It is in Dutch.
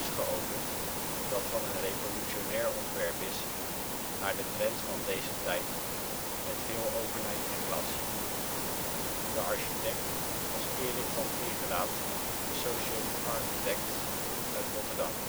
geopend dat van een revolutionair ontwerp is, naar de trends van deze tijd met veel openheid en glas. Architect: Erick van Egeraat associated architects, Rotterdam